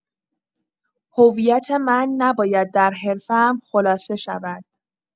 هویت من نباید در حرفه‌ام خلاصه شود.